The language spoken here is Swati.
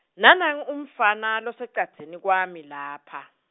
Nanangu umfana losecadzini kwami lapha.